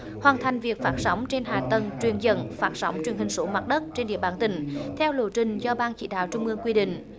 hoàn thành việc phát sóng trên hạ tầng truyền dẫn phát sóng truyền hình số mặt đất trên địa bàn tỉnh theo lộ trình do ban chỉ đạo trung ương quy định